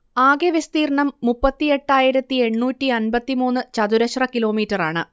ആകെ വിസ്തീർണ്ണം മുപ്പത്തിയെട്ടായിരത്തിയെണ്ണൂറ്റിയൻപത്തിമൂന്ന് ചതുരശ്ര കിലോമീറ്ററാണ്